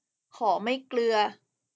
ขอไม่เกลือ